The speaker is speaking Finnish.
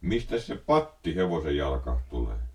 mistäs se patti hevosen jalkaan tulee